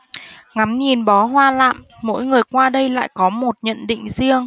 ngắm nhìn bó hoa lạ mỗi người qua đây lại có một nhận định riêng